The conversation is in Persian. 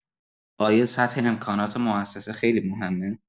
آیا سطح امکانات موسسه خیلی مهمه؟